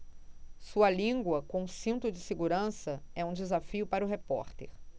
sua língua com cinto de segurança é um desafio para o repórter